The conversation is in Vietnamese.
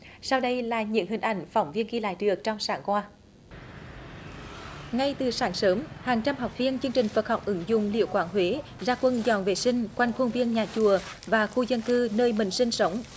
sau đây là những hình ảnh phóng viên ghi lại được trong sáng qua ngay từ sáng sớm hàng trăm học viên chương trình phật học ứng dụng điệu quảng huế ra quân dọn vệ sinh quanh khuôn viên nhà chùa và khu dân cư nơi mình sinh sống